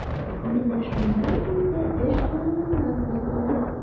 Менә шуннан инде эш урыныннан кузгала.